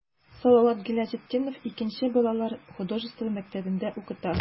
Салават Гыйләҗетдинов 2 нче балалар художество мәктәбендә укыта.